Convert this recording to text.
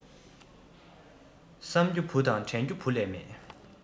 བསམ རྒྱུ བུ དང དྲན རྒྱུ བུ ལས མེད